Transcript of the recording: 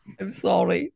I'm sorry.